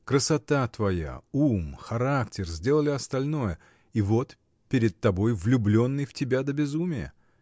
Красота твоя, ум, характер сделали остальное — и вот перед тобой влюбленный в тебя до безумия!